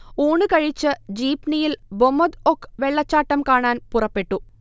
ഊണ് കഴിച്ച് ജീപ്നിയിൽ ബൊമൊദ്-ഒക് വെള്ളച്ചാട്ടം കാണാൻ പുറപ്പെട്ടു